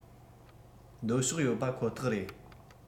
འདོད ཕྱོགས ཡོད པ ཁོ ཐག རེད